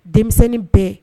Denmisɛnnin bɛ